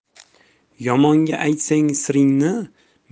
yomonga aytsang siringni